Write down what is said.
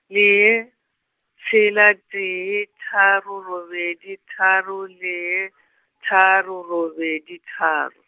lee, tshela tee, tharo robedi tharo lee, tharo robedi tharo.